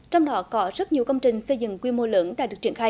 trong đó có rất nhiều công trình xây dựng quy mô lớn đã được triển khai